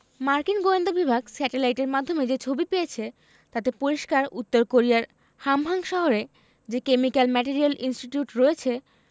মার্কিন গোয়েন্দা বিভাগ স্যাটেলাইটের মাধ্যমে যে ছবি পেয়েছে তাতে পরিষ্কার উত্তর কোরিয়ার হামহাং শহরে যে কেমিক্যাল ম্যাটেরিয়াল ইনস্টিটিউট রয়েছে